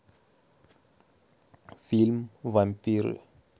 фильм вампиры